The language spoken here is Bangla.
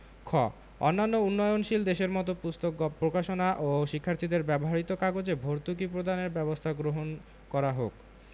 খ অন্যান্য উন্নয়নশীল দেশের মত পুস্তক প্রকাশনা ও শিক্ষার্থীদের ব্যবহৃত কাগজে ভর্তুকি প্রদানের ব্যবস্থা গ্রহণ করা হোক